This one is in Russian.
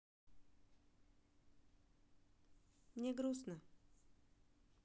мне грустно